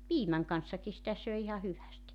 piimän kanssakin sitä söi ihan hyvästi